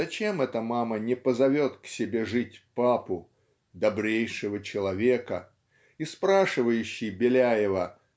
зачем это мама не позовет к себе жить папу "добрейшего человека" и спрашивающий Беляева